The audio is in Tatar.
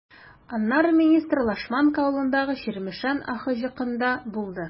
Аннары министр Лашманка авылындагы “Чирмешән” АХҖКында булды.